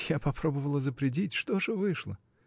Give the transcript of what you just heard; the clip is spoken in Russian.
— Я пробовала запретить — что же вышло?